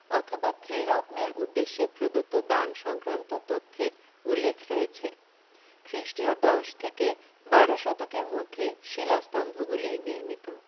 অথবা ত্রিরত্নের উদ্দেশ্যে প্রদত্ত দান সংক্রান্ত তথ্যের উল্লেখ রয়েছে খ্রিস্টীয় দশ থেকে বারো শতকের মধ্যে শিলাস্তম্ভগুলি নির্মিত